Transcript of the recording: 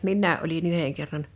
minäkin olin yhden kerran